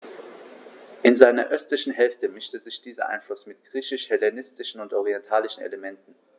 In seiner östlichen Hälfte mischte sich dieser Einfluss mit griechisch-hellenistischen und orientalischen Elementen.